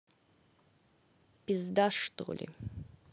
пизда что ли